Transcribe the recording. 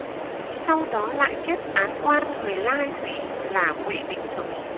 sau đó lại kết án oan người lai thủy là ngụy đình thực